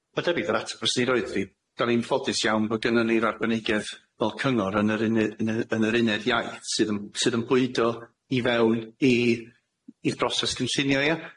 Wel debyg yr ateb wrthi roedd fi do'n i'n ffodus iawn bo' gynnon ni'r arbenigedd fel cyngor yn yr uned yn yy yn yr uned iaith sydd yn sydd yn bwydo i fewn i i'r broses cynllunio ia?